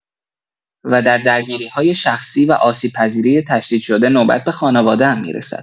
و در درگیری‌های شخصی و آسیب‌پذیری تشدیدشده نوبت به خانواده‌ام می‌رسد.